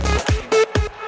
gô